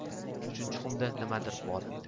uchinchi xumda nimadir bor edi